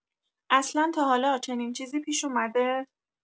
اصلا تا حالا چنین چیزی پیش اومده؟